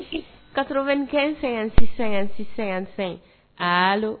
Katoorokɛ sɛgɛn-- sɛgɛn sɛgɛn